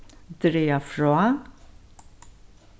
draga frá